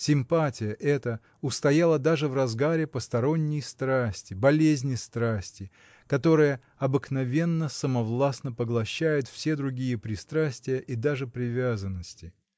Симпатия эта устояла даже в разгаре посторонней страсти, болезни-страсти, которая обыкновенно самовластно поглощает все другие пристрастия и даже привязанности.